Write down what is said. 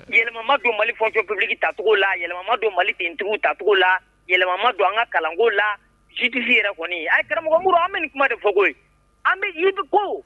Yɛlɛma don mali fɔke pebiliki tacogo la yɛlɛma don malifintigiw tacogo la yɛlɛma don an ka kalanko la jitfin yɛrɛ kɔni a ye karamɔgɔmuru an bɛ ni kuma de fɔ ko an yiri ko